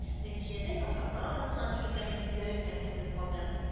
Нәтиҗәдә, яфраклар арасыннан егетләрнең йөзләре генә күренеп калды